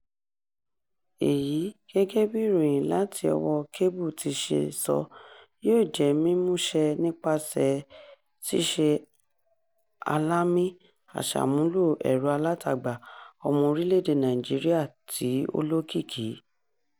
Èyí, gẹ́gẹ́ bí ìròyìn láti ọwọ́ọ Cable ti ṣe sọ, yóò jẹ́ mímú ṣẹ nípasẹ̀ ṣíṣe alamí aṣàmúlò ẹ̀rọ-alátagbà "ọmọ orílẹ̀-èdè Nàìjíríà tí ó lókìkí".